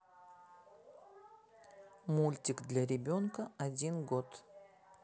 мультик для ребенка один год